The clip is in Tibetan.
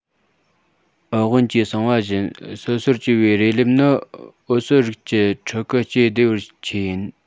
ཨུ ཝེན གྱིས གསུངས པ བཞིན སོ སོར གྱེས པའི རུས ལེབ ནི འོ གསོས རིགས ཀྱི ཕྲུ གུ སྐྱེ བདེ བའི ཆེད རེད